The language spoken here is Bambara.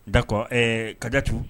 Dakɔ ɛɛ ka datu